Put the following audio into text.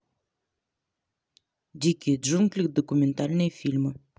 дикие джунгли документальные фильмы